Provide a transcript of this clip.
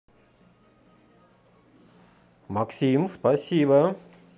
максим спасибо